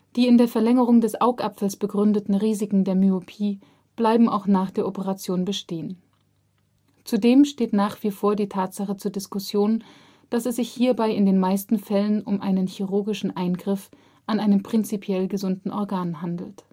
Die in der Verlängerung des Augapfels begründeten Risiken der Myopie bleiben auch nach der Operation bestehen. Zudem steht nach wie vor die Tatsache zur Diskussion, dass es sich hierbei in den meisten Fällen um einen chirurgischen Eingriff an einem prinzipiell gesunden Organ handelt